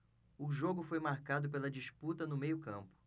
o jogo foi marcado pela disputa no meio campo